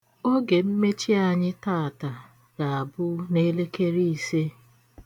Oge mmechi anyị taata ga-abụ n'elekere ise.